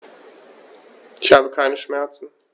Ich habe keine Schmerzen.